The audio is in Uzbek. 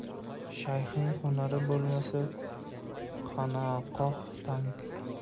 shayxning hunari bo'lmasa xonaqoh tang